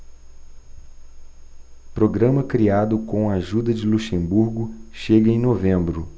programa criado com a ajuda de luxemburgo chega em novembro